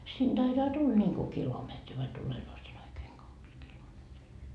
sinne taitaa tulla niin kuin kilometri vai tullee sinne oikein kaksi kilometriä